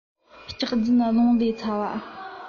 སྐྱག རྫུན རླུང ལས ཚ བ